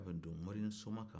ka don mori ni soma kan